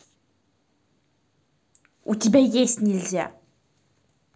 у тебя есть нельзя